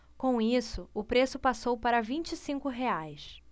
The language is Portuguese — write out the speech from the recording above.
com isso o preço passou para vinte e cinco reais